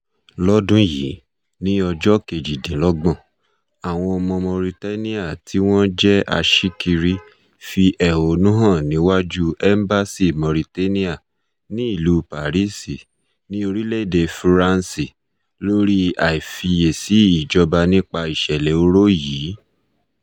Lọ́dún yìí ni ọjọ́ kejìdínlọ́gbọ̀n, àwọn ọmọ Mauritania tí wọ́n jẹ́ aṣíkiri fi ẹ̀hónú hàn níwájú Ẹ́mbásì Mauritania ní ìlú Paris, ní orílẹ̀-èdè France, lórí àìfiyèsí ìjọba nípa ìṣẹ̀lẹ̀ oró yìí.